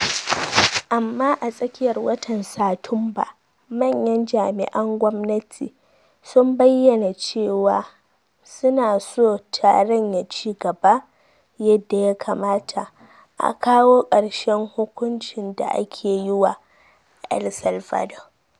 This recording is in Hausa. Amma a tsakiyar watan Satumba, manyan jami'an gwamnati sun bayyana cewa su na so taron ya ci gaba, yadda ya kamata a kawo karshen hukuncin da ake yi wa El Salvador.